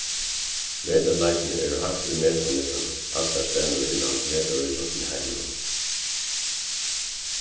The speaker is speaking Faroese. vetrarleikirnir eru hægst í metum millum allar stevnur innan vetrarítróttin í heiminum